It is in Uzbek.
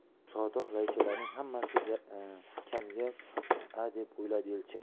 bu sodiq laychalarning hammasi kamgap a deb o'yladi elchin